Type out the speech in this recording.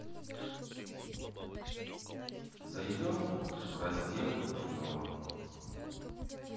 зайдем в раздел кино